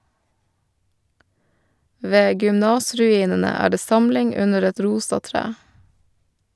Ved gymnasruinene er det samling under et rosa tre.